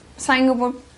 sai'n gwbo